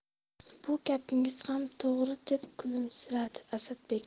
bu gapingiz ham to'g'ri deb kulimsiradi asadbek